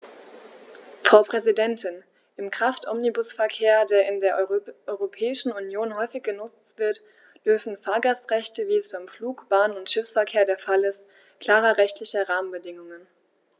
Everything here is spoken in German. Frau Präsidentin, im Kraftomnibusverkehr, der in der Europäischen Union häufig genutzt wird, bedürfen Fahrgastrechte, wie es beim Flug-, Bahn- und Schiffsverkehr der Fall ist, klarer rechtlicher Rahmenbedingungen.